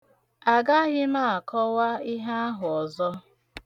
Agaghị m akọwa ihe ahụ ọzọ.